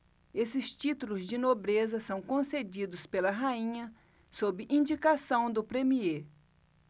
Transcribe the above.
esses títulos de nobreza são concedidos pela rainha sob indicação do premiê